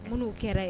Minnu kɛra y